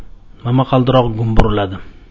momaqaldirok gumburladi